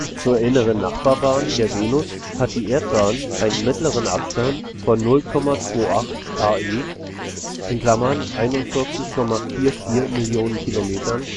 Zur inneren Nachbarbahn der Venus hat die Erdbahn einen mittleren Abstand von 0,28 AE (41,44 Mio. km